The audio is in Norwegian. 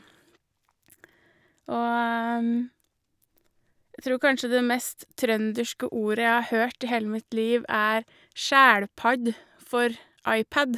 Og jeg tror kanskje det mest trønderske ordet jeg har hørt i hele mitt liv, er skjælpadd for IPad.